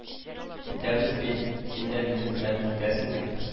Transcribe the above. – китәбез бит, син дә минем белән китәсен бит